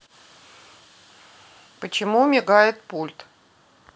почему мигает пульт